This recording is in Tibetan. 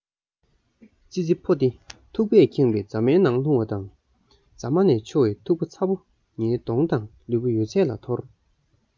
ཙི ཙི ཕོ དེ ཐུག པས ཁེངས པའི རྫ མའི ནང ལྷུང བ དང རྫ མ ནས འཕྱོ བའི ཐུག པ ཚ པོ ངའི གདོང དང ལུས པོ ཡོད ཚད ལ ཐོར